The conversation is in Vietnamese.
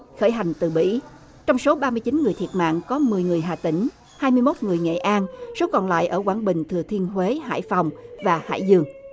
khởi hành từ bỉ trong số ba mươi chín người thiệt mạng có mười người hà tĩnh hai mươi mốt người nghệ an số còn lại ở quảng bình thừa thiên huế hải phòng và hải dương